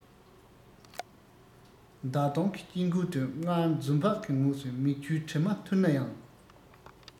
ཟླ གདོང གི དཀྱིལ འཁོར དུ སྔར འཛུམ བག གི ངོས སུ མིག ཆུའི དྲི མ འཐུལ ན ཡང